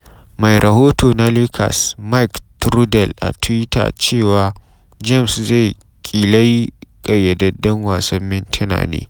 Mai rahoto na Lakers Mike Trudell a Twitter cewa James zai kila yi kayyadedden wasan mintina ne.